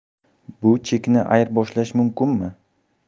bu chekni ayirboshlash mumkinmi